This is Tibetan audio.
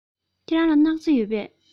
ཁྱེད རང ལ སྣག ཚ ཡོད པས